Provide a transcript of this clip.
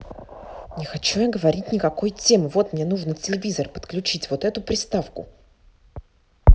не хочу я говорить никакой темы вот мне нужно телевизор подключить вот эту приставку